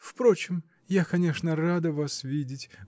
впрочем, я, конечно, рада вас видеть.